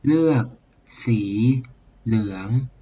เลือกสีเหลือง